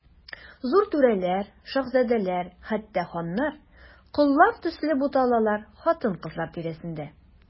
Зур түрәләр, шаһзадәләр, хәтта ханнар, коллар төсле буталалар хатын-кызлар тирәсендә.